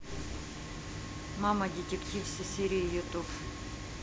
мама детектив все серии ютуб